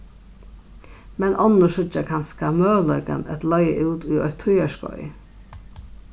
men onnur síggja kanska møguleikan at leiga út í eitt tíðarskeið